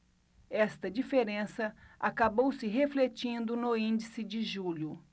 esta diferença acabou se refletindo no índice de julho